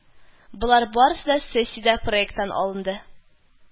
Болар барысы да сессиядә проекттан алынды